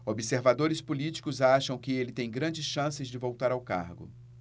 observadores políticos acham que ele tem grandes chances de voltar ao cargo